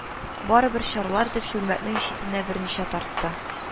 Барыбер чарлар дип, чүлмәкнең читенә берничә тартты